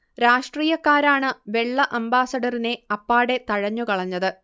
രാഷ്ട്രീയക്കാരാണ് വെള്ള അംബാസഡറിനെ അപ്പാടെ തഴഞ്ഞു കളഞ്ഞത്